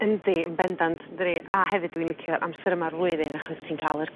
Yndi yn bendant yndydi a hefyd dwi'n licio amser yma'r flwyddyn achos ti'n ca'l yr